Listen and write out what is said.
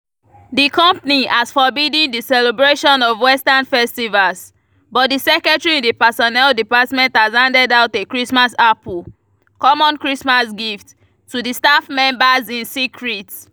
The company has forbidden the celebration of Western festivals. But the secretary in the personnel department has handed out a Christmas apple [common Christmas gift] to the staff members in secret.